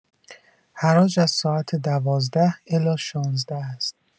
حراج از ساعت ۱۲: ۰۰ الی ۱۶: ۰۰ است